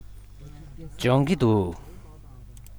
སྦྱོང གི འདུག